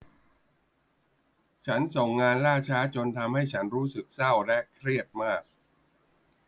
ฉันส่งงานล่าช้าจนทำให้ฉันรู้สึกเศร้าและเครียดมาก